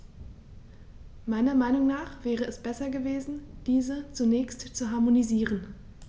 Meiner Meinung nach wäre es besser gewesen, diese zunächst zu harmonisieren.